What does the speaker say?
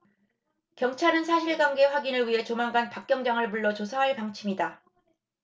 경찰은 사실관계 확인을 위해 조만간 박 경장을 불러 조사할 방침이다